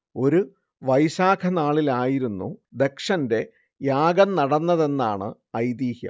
ഒരു വൈശാഖ നാളിലായിരുന്നു ദക്ഷന്റെ യാഗം നടന്നതെന്നാണ് ഐതിഹ്യം